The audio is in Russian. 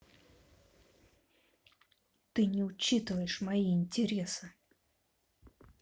ты не учитываешь мои интересы